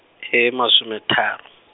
e masome tharo.